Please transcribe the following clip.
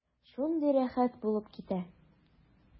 Шундый рәхәт булып китә.